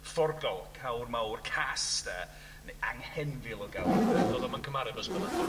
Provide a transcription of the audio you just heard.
Fforgol cawr mawr cas de neu anghenfil o gawr de. Do'dd o'm yn cymharu efo Ysbyddaden...